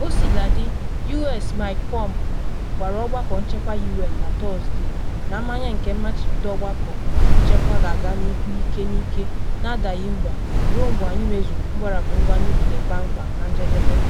Kosiladị, U.S Mike Pompeo gwara Ọgbakọ Nchekwa U,N Na Tọsde na “Mmanye nke mmachibido Ọgbakọ Nchekwa ga-aga n’ihu ike n’ike na-adaghị mba ruo mgbe anyị mezuru mgbarapụ ngwa nuklịa kpam kpam, na njedebe.”